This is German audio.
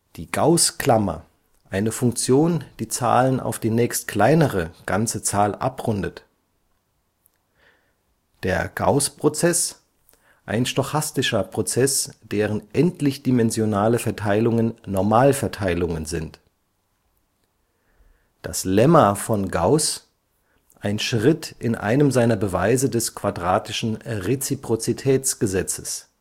die Gaußklammer, eine Funktion, die Zahlen auf die nächstkleinere ganze Zahl abrundet der Gauß-Prozess, ein stochastischer Prozess, deren endlichdimensionale Verteilungen Normalverteilungen sind das Lemma von Gauß, ein Schritt in einem seiner Beweise des quadratischen Reziprozitätsgesetzes